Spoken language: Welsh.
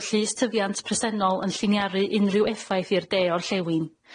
fod llys tyfiant presennol yn llinearu unrhyw effaith i'r de orllewin.